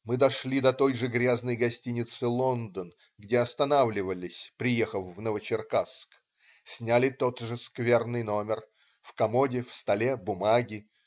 Мы дошли до той же грязной гостиницы "Лондон", где останавливались, приехав в Новочеркасск. Сняли тот же скверный номер. В комоде, в столе бумаги.